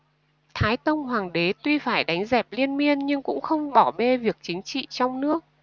thái tông hoàng đế tuy phải đánh dẹp liên miên nhưng cũng không bỏ bê việc chính trị trong nước